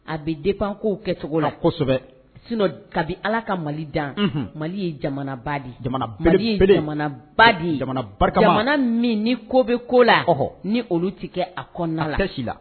A be dépend kow kɛcogo la a kosɛbɛ sinon d kabi Ala ka Mali dan unhun Mali ye jamanaba de ye jamana belebele Mali ye jamanabaa de ye jamana barikama jamana min ni ko be ko la ɔhɔ ni olu ti kɛ a kɔɔna la a tɛ s'i la